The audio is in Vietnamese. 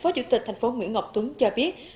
phó chủ tịch thành phố nguyễn ngọc tuấn cho biết